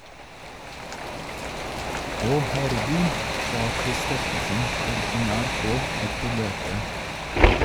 Åh herregud , sa Kristoffersen til NRK etter løpet.